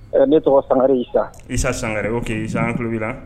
Ne tɔgɔ sanri y'i ta isa sangaɛrɛ o kɛ i zan tulobi